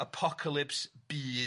apocalypse byd.